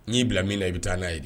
N'i bila min na i bɛ taa n'a ye